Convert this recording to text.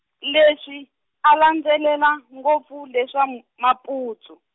leswi, a landzelela ngopfu leswa m- maputsu.